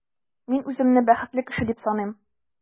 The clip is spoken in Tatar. Мин үземне бәхетле кеше дип саныйм.